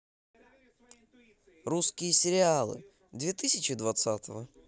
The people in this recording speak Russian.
русские сериалы две тысячи двадцатого